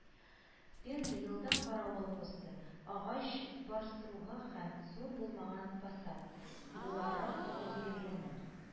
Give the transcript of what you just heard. Пенза елда каравыл посты агач бастругы һәм зур булмаган посад буларак нигезләнә